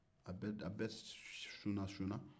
a bɛɛ sunasuna